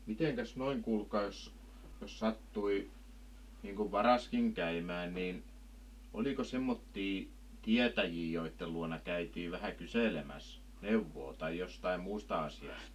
mitenkäs noin kuulkaa jos jos sattui niin kuin varaskin käymään niin oliko semmoisia tietäjiä joiden luona käytiin vähän kyselemässä neuvoa tai jostakin muusta asiasta